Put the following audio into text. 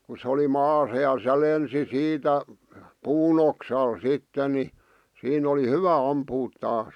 kun se oli maassa ja se lensi siitä puun oksalle sitten niin siinä oli hyvä ampua taas